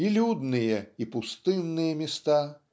и людные и пустынные места